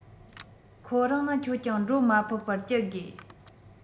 ཁོ རང ན ཁྱོད ཀྱང འགྲོ མ ཕོད པར བསྐྱལ དགོས